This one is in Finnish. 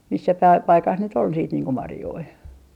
missä - paikassa nyt oli sitten niin kuin marjoja